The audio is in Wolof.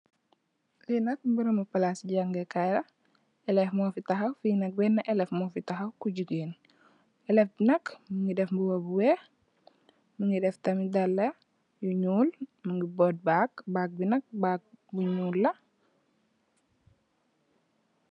Li nak berembi palaci jangex kai la elefe mofi taxaw fi nak bena elefe mofi taxaw go jigeen elefe bi nak mongi def mbuba bu weex mongi def tamit daal bu nuul mogi bud bag bag bi nak bag bi nuul la.